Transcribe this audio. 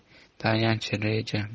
tayanch reja